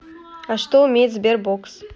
а что умеет sberbox